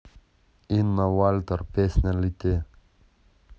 инна вальтер песня лети